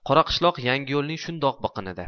qoraqishloq yangiyo'lning shunday biqinida